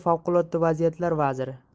favqulodda vaziyatlar vaziri